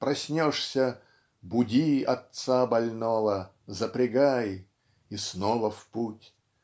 Проснешься - Буди отца больного, запрягай - И снова в путь.